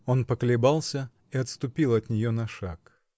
Он поколебался и отступил от нее на шаг.